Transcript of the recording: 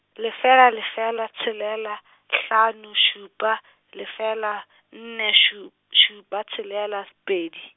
lefela lefela tshelela, hlano šupa, lefela, nne šu-, šupa, tshelela pedi.